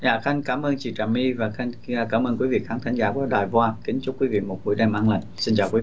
dạ khanh cám ơn chị trà my và khanh cám ơn quý vị khán thính giả của đài voa kính chúc quý vị một buổi đêm an lành xin chào quý vị